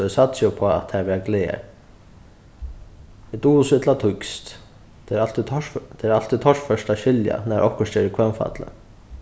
so eg satsi upp á at tær verða glaðar eg dugi so illa týskt tað er altíð tað er altíð torført at skilja nær okkurt er í hvønnfalli